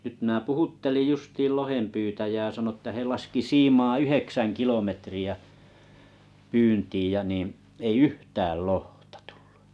nyt minä puhuttelin justiin lohenpyytäjää sanoi että he laski siimaa yhdeksän kilometriä pyyntiin ja niin ei yhtään lohta tullut